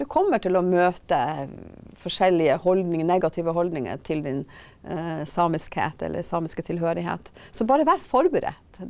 du kommer til å møte forskjellige holdninger, negative holdninger til din samiskhet eller samiske tilhørighet så bare vær forberedt!